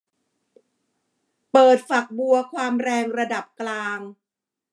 เปิดฝักบัวความแรงระดับกลาง